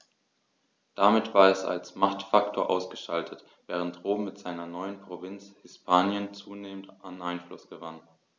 Damit war es als Machtfaktor ausgeschaltet, während Rom mit seiner neuen Provinz Hispanien zunehmend an Einfluss gewann.